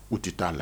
U tɛ taa'a la